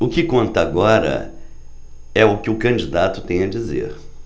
o que conta agora é o que o candidato tem a dizer